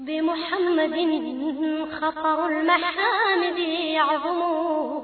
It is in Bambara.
Denmuunɛgɛninunɛgɛningɛnin yo